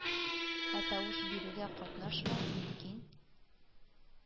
Ә тавыш бирүгә катнашмау мөмкин